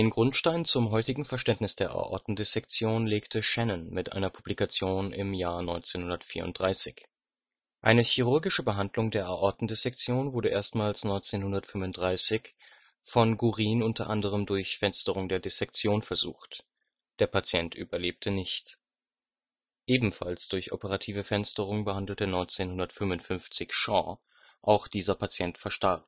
Grundstein zum heutigen Verständnis der Aortendissektion legte Shennan mit einer Publikation im Jahr 1934. Eine chirurgische Behandlung der Aortendissektion wurde erstmals 1935 von Gurin u. a. durch Fensterung der Dissektion versucht, der Patient überlebte nicht. Ebenfalls durch operative Fensterung behandelte 1955 Shaw, auch dieser Patient verstarb